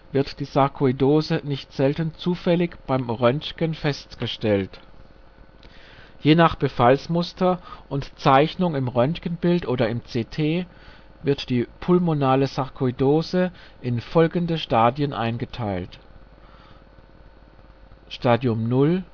wird die Sarkoidose nicht selten zufällig beim Röntgen festgestellt. Je nach Befallmuster und Zeichnung im Röntgenbild oder im CT wird die pulmonale Sarkoidose in folgende Stadien eingeteilt: Stadium 0